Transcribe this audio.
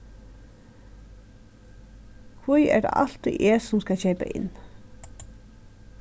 hví er tað altíð eg sum skal keypa inn